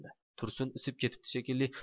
tursun isib ketibdi shekilli